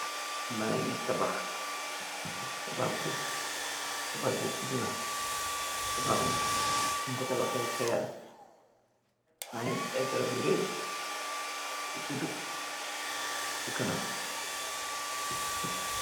nyari tabax bi tabaj bu guddu la tabax bi dum ko tabaxee xeer maya gis ay garabyu rey bu buddu ci kanam.